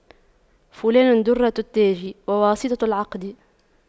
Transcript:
فلان دُرَّةُ التاج وواسطة العقد